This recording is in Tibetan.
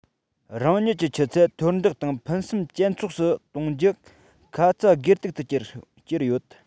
རང ཉིད ཀྱི ཆུ ཚད མཐོར འདེགས དང ཕུན སུམ ཇེ ཚོགས སུ གཏོང རྒྱུ ཁ ཚ དགོས གཏུག ཏུ གྱུར ཡོད